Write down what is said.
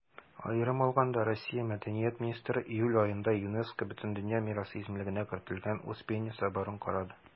Аерым алганда, Россия Мәдәният министры июль аенда ЮНЕСКО Бөтендөнья мирасы исемлегенә кертелгән Успенья соборын карады.